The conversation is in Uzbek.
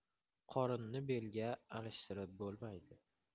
qorinni belga alishtirib bo'lmaydi